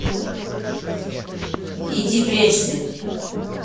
иди прячься